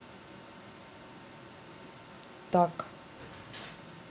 так